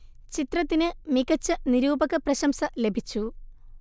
ചിത്രത്തിന് മികച്ച നിരൂപക പ്രശംസ ലഭിച്ചു